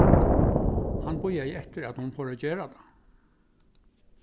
hann bíðaði eftir at hon fór at gera tað